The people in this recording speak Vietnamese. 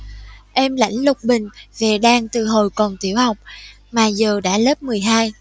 em lãnh lục bình về đan từ hồi còn tiểu học mà giờ đã lớp mười hai